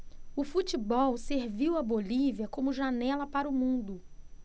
o futebol serviu à bolívia como janela para o mundo